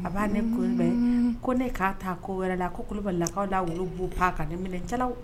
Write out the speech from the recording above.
A b'a ne ko ne'a ta ko wɛrɛ la ko kulubali lakaw' wolo b' pan ka ne minɛ